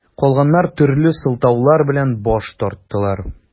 Калганнар төрле сылтаулар белән баш тарттылар.